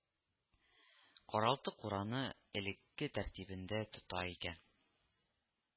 Каралты-кураны элекке тәртибендә тота икән